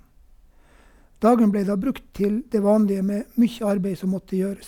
Dagen ble da brukt til det vanlige med mye arbeid som måtte gjøres.